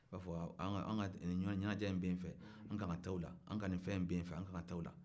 a b'a fɔ an ka nin ɲɛnajɛ bɛ yanfɛ an ka kan ka taa o la a ka nin fɛn in bɛ yenfɛ an ka kan ka taa o la